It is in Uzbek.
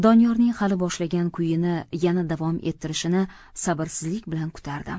doniyorning hali boshlagan kuyini yana davom ettirishini sabrsizlik bilan kutardim